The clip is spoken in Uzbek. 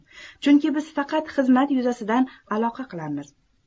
chunki biz faqat xizmat yuzasidan aloqa qilamiz